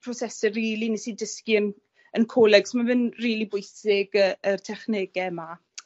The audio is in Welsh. prosese rili nes i dysgu yn yn coleg so ma fe'n rili bwysig y yr technege yma.